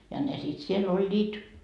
ja ne sitten siellä olivat